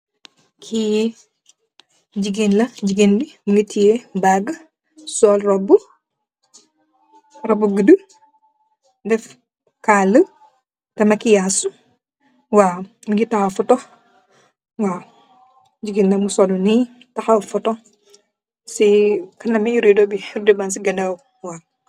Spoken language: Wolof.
Kii jigeen la jigeen bi mogi teyeh bag sol robu robu bu gudu def kala teh makiyassu waw mogi taxaw foto waw jigeen la mo solu ni taxaw photo si kanami redobi redobang si kanaw waw.